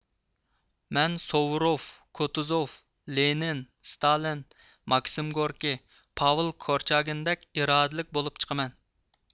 مەن سوۋۇروف كوتۇزوف لېنىن ستالىن ماكسىم گوركىي پاۋىل كورچاگىندەك ئىرادىلىك بولۇپ چىقىمەن